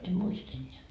en muista enää